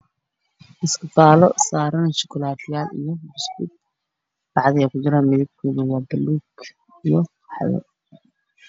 Waa iskifaalo waxaa saaran shukuleetooyin, buskud bacda ay kujiraan midabkeedu waa buluug iyo qaxwi.